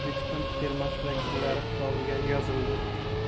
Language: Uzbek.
o'zbekiston termasi vakillari hisobiga yozildi